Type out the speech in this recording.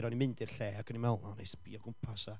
O'n i'n mynd i'r lle ac o'n i'n meddwl, o wnai sbïo gwmpas a